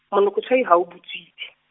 monokotshwai ha o butswitse.